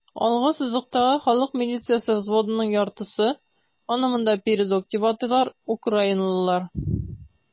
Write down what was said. Алгы сызыктагы халык милициясе взводының яртысы (аны монда "передок" дип атыйлар) - украиналылар.